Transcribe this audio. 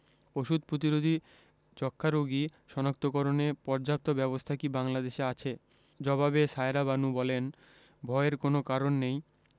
ওষুধ প্রতিরোধী যক্ষ্মা রোগী শনাক্তকরণে পর্যাপ্ত ব্যবস্থা কি বাংলাদেশে আছে জবাবে সায়েরা বানু বলেন ভয়ের কোনো কারণ নেই